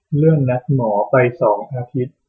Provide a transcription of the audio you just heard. เลื่อนนัดหมอไปสองอาทิตย์